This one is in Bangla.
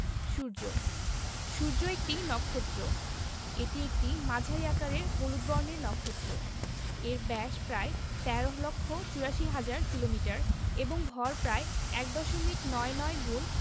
সূর্যঃ সূর্য একটি নক্ষত্র এটি একটি মাঝারি আকারের হলুদ বর্ণের নক্ষত্র এর ব্যাস প্রায় ১৩ লক্ষ ৮৪ হাজার কিলোমিটার এবং ভর প্রায় এক দশমিক নয় নয় গুন